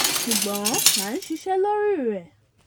Ṣùgbọ́n a ń ṣiṣẹ́ lórí rẹ̀.